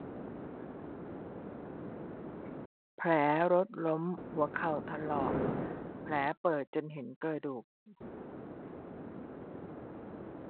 แผลรถล้มหัวเข่าถลอกแผลเปิดจนเห็นกระดูก